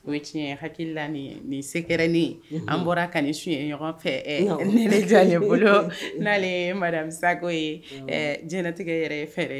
O tiɲɛ ye hakili la nin nin sekɛrɛnnen an bɔra ka nin su ye ɲɔgɔn fɛ nɛnɛ diya bolo n'ale ye marasago ye jinɛtigɛ yɛrɛ fɛɛrɛ ye